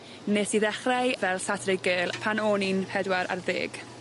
nes i ddechrau fel Saturday girl pan o'n i'n pedwar ar ddeg.